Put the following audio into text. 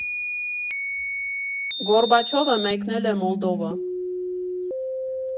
Գորբաչովը մեկնել է Մոլդովա։